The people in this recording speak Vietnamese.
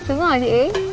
xuống hỏi chị ý